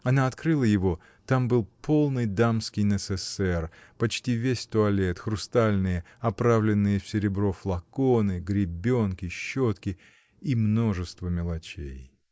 Она открыла его, — там был полный дамский несессер, почти весь туалет, хрустальные, оправленные в серебро флаконы, гребенки, щетки и множество мелочей.